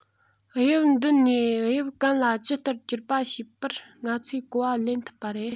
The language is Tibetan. དབྱིབས འདི ནས དབྱིབས གན ལ ཇི ལྟར གྱུར པ ཞེས པར ང ཚོས གོ བ ལེན ཐུབ པ རེད